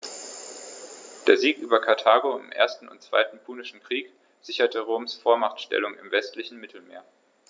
Der Sieg über Karthago im 1. und 2. Punischen Krieg sicherte Roms Vormachtstellung im westlichen Mittelmeer.